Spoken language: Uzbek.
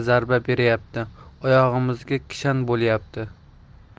zarba beryapti oyog'imizga kishan bo'lyapti